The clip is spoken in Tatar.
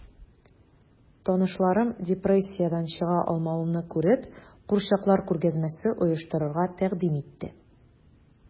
Танышларым, депрессиядән чыга алмавымны күреп, курчаклар күргәзмәсе оештырырга тәкъдим итте...